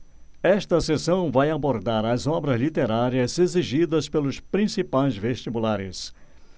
esta seção vai abordar as obras literárias exigidas pelos principais vestibulares